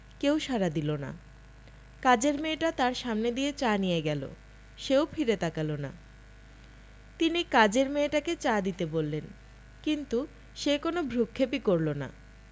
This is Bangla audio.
কেউ সাড়া দিল না কাজের মেয়েটা তাঁর সামনে দিয়ে চা নিয়ে গেল সে ও ফিরে তাকাল না তিনি কাজের মেয়েটাকে চা দিতে বললেন কিন্তু সে কোনো ভ্রুক্ষেপই করল না